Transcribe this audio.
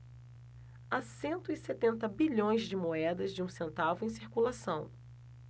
há cento e setenta bilhões de moedas de um centavo em circulação